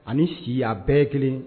Ani siya bɛɛ kelen